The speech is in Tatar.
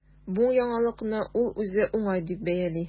Бу яңалыкны ул үзе уңай дип бәяли.